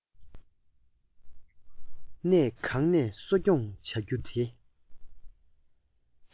གནས གང ནས གསོ སྐྱོང བྱ རྒྱུ དེ